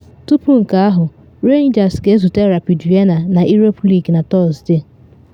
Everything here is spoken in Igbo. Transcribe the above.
Tupu nke ahụ, Rangers ga-ezute Rapid Vienna na Europa League na Tọsde.